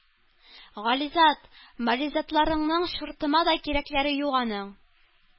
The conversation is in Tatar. -гализат, мализатларыңның чуртыма да кирәкләре юк аның.